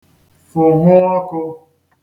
fụ̀nhụọ ọ̄kụ̄